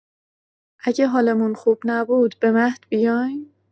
اگه حالمون خوب نبود، به مهد بیایم؟